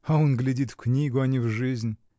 А он глядит в книгу, а не в жизнь!